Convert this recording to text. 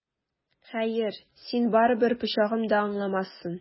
Хәер, син барыбер пычагым да аңламассың!